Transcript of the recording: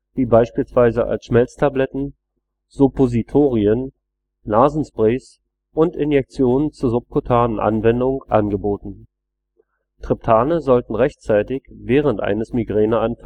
wie beispielsweise als Schmelztabletten, Suppositorien, Nasensprays und Injektionen zur subkutanen Anwendung, angeboten. Triptane sollten rechtzeitig während eines Migräneanfalls eingenommen